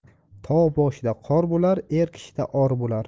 tog' boshida qor bo'lar er kishida or bo'lar